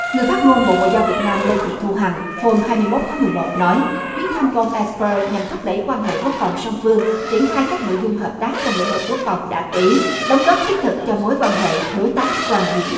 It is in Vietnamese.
người phát ngôn bộ ngoại giao việt nam lê thị thu hằng hôm hai mươi mốt tháng mười một nói chuyến thăm của ông e pơn nhằm thúc đẩy quan hệ quốc phòng song phương triển khai các nội dung hợp tác trong lĩnh vực quốc phòng đã ký đóng góp thiết thực cho mối quan hệ đối tác toàn diện